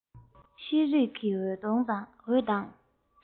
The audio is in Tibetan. ཤེས རིག གི འོད མདངས